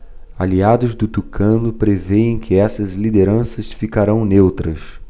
aliados do tucano prevêem que essas lideranças ficarão neutras